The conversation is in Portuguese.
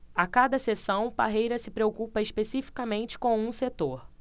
a cada sessão parreira se preocupa especificamente com um setor